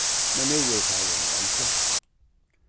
men nú eru teir vorðnir eldri